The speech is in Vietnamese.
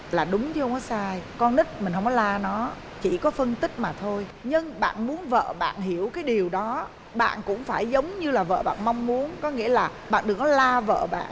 là đúng chứ không có sai con nít mình hông có la nó chỉ có phân tích mà thôi nhưng bạn muốn vợ bạn hiểu cái điều đó bạn cũng phải giống như là vợ bạn mong muốn có nghĩa là bạn đừng có la vợ bạn